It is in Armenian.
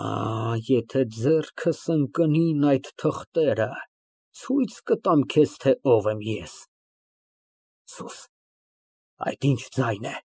Աա, եթե ձեռքս ընկնեին այդ թղթերը, ցույց կտամ քեզ, թե ով եմ ես… Սուս, այդ ի՞նչ ձայն է։